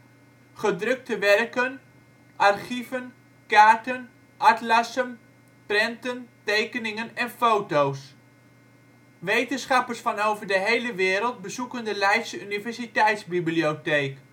gedrukte werken, archieven, kaarten, atlassen, prenten, tekeningen en foto 's. Wetenschappers van over de hele wereld bezoeken de Leidse Universiteitsbibliotheek